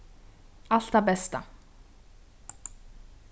alt tað besta